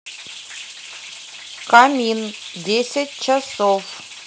камин десять часов